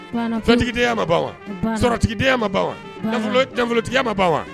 Santigidenyaya ma ban wa sɔrɔtigidenyaya ma nafolotigiya ma ban wa